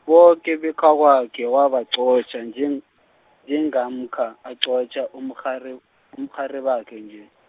boke bekhakwakhe wabaqotjha njeng-, njengamkha, aqotjha umrharib-, umrharibakhe nje.